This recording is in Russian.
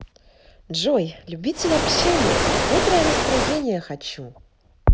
джой любитель общения и бодрое настроение хочу